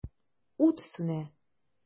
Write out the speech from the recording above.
Ут сүнә.